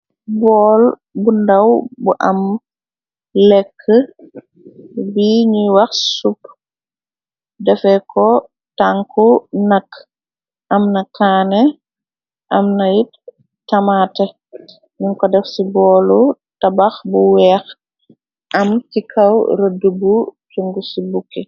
Bool bu ndaw bu am lekk bi ñuy wax sub dafe ko tanku nakk. Am na kaane amna yit tamaate yun ko daf ci boolu. Tabax bu weex am ci kaw rëdd bu cung ci bukki.